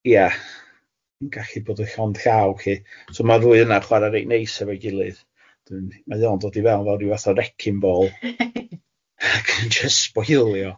ia, yn gallu bod yn llond llaw lly, so ma'r ddwy yna'n chwara reit neis efo'i gilydd wedyn mae o'n dod i fewn fel ryw fath o wrecking ball ac yn jyst sbolio